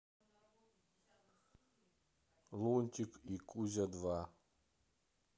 лунтик и кузя два